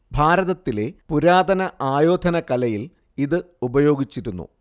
ഭാരതത്തിലെ പുരാതന ആയോധനകലയിൽ ഇത് ഉപയോഗിച്ചിരുന്നു